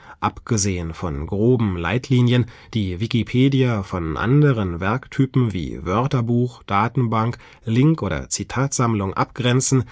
Abgesehen von groben Leitlinien, die Wikipedia von anderen Werktypen, wie Wörterbuch, Datenbank, Link - oder Zitatsammlung, abgrenzen